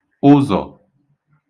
ụzọ̀